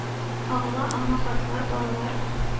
Агыла аңа картлар, балалар,